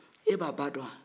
e b'a ba dɔn wa